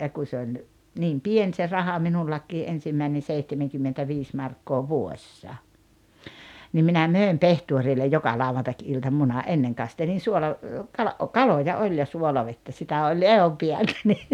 ja kun se oli niin pieni se raha minullakin ensimmäinen seitsemänkymmentäviisi markkaa vuodessa niin minä myin pehtorille joka lauantai-ilta munan ennen kastelin - suolakala - kaloja oli ja suolavettä sitä oli ehdonpäältä niin